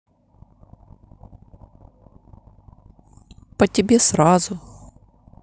по тебе сразу